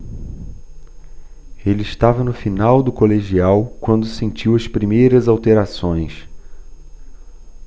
ele estava no final do colegial quando sentiu as primeiras alterações